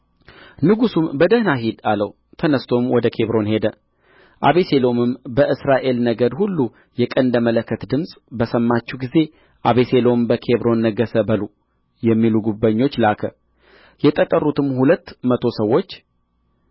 ንጉሡም በደኅና ሂድ አለው ተነሥቶም ወደ ኬብሮን ሄደ አቤሴሎምም በእስራኤል ነገድ ሁሉ የቀንደ መለከት ድምፅ በሰማችሁ ጊዜ አቤሴሎም በኬብሮን ነገሠ በሉ የሚሉ ጕበኞች ላከ የተጠሩትም ሁለት መቶ ሰዎች